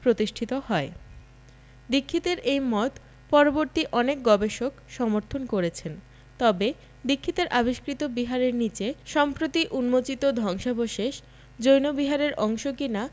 প্রতিষ্ঠিত হয় দীক্ষিতের এই মত পরবর্তী অনেক গবেষক সমর্থন করেছেন তবে দীক্ষিতের আবিষ্কৃত বিহারের নিচে সম্প্রতি উন্মোচিত ধ্বংসাবশেষ জৈন বিহারের অংশ কিনা